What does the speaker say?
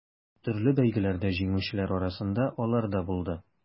Төрле бәйгеләрдә җиңүчеләр арасында алар да булды.